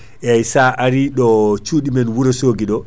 eyyi sa ari ɗo cuuɗi men Wourossogui ɗo